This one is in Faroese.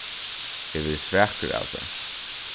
eg verði svakur av tær